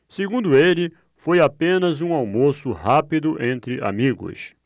segundo ele foi apenas um almoço rápido entre amigos